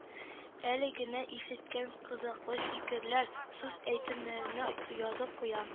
Әле генә ишеткән кызыклы фикерләр, сүз-әйтемнәрне язып куя